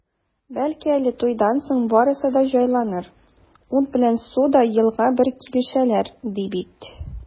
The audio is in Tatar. Бәлки әле туйдан соң барысы да җайланыр, ут белән су да елга бер килешәләр, ди бит.